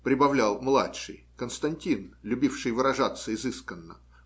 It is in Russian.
прибавил младший, Константин, любивший выражаться изысканно.